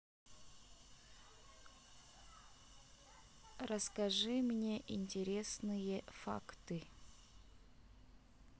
расскажи мне интересные факты